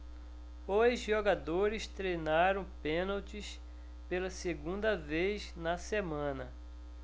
os jogadores treinaram pênaltis pela segunda vez na semana